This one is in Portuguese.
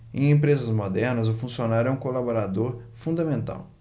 em empresas modernas o funcionário é um colaborador fundamental